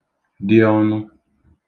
dị̄ ọ̄nụ̄